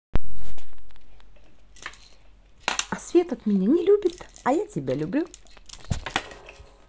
а свет от меня не любит а я тебя люблю